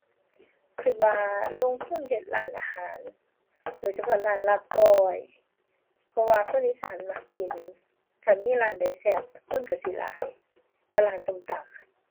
คิดว่าลงทุนเฮ็ดร้านอาหาร โดยเฉพาะร้านลาบก้อย เพราะว่าคนอีสานมักกิน ถ้ามีร้านใดแซ่บคนคิดสิหลาย กับร้านส้มตำ